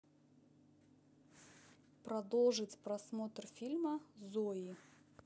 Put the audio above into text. продолжить просмотр фильма зои